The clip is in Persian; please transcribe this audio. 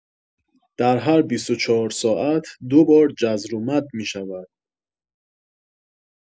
در هر ۲۴ ساعت دو بار جذر و مد می‌شود